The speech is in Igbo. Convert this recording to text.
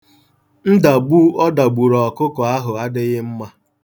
Ndagbu ọ dagburu ọkụkọ ahụ adịghị mma.